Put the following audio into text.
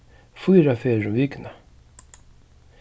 fýra ferðir um vikuna